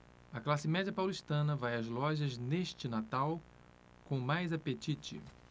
a classe média paulistana vai às lojas neste natal com mais apetite